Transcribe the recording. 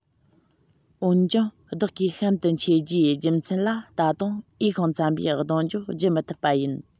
འོན ཀྱང བདག གིས གཤམ དུ འཆད རྒྱུའི རྒྱུ མཚན ལ ད དུང འོས ཤིང འཚམ པའི གདེང འཇོག བགྱི མི ཐུབ པ ཡིན